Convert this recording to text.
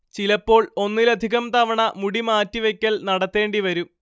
ചിലപ്പോൾ ഒന്നിലധികം തവണ മുടി മാറ്റിവെക്കൽ നടത്തേണ്ടി വരും